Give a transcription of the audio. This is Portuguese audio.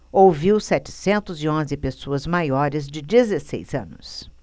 ouviu setecentos e onze pessoas maiores de dezesseis anos